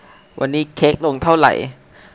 วันนี้เค้กลงเท่าไหร่